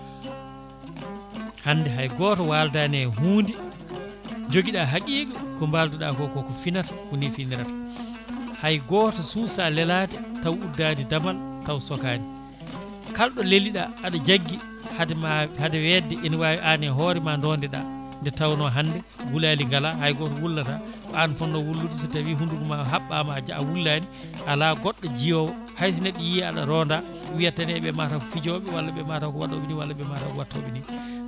hande hay goto waldani e hunde joguiɗa haaqiga ko balduɗa ko koko finata ko ni finirata hay goto suusa lelade taw uddani damal taw sokani kalɗo leeliɗa aɗa jaggui haade ma haade wedde ina wawi an e hoore ma dondeɗa nde tawno hande gulali nagala hay goto wullata ko an fonno wullude so tawi hunukoma habɓama a wullani ala goɗɗo jiiyowo hayso neɗɗo yii aɗa ronda wiiyata tan ɓe mataw ko fijoɓe walla ɓe mataw ko waɗoɓe ni walla ɓe mataw ko wattoɓe ni